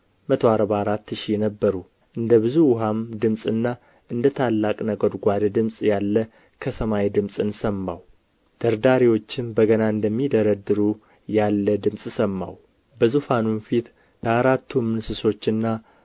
መቶ አርባ አራት ሺህ ነበሩ እንደ ብዙ ውኃም ድምፅና እንደ ታላቅ ነጐድጓድ ድምፅ ያለ ከሰማይ ድምፅን ሰማሁ ደርዳሪዎችም በገና እንደሚደረድሩ ያለ ድምፅ ሰማሁ በዙፋኑም ፊት በአራቱም እንስሶችና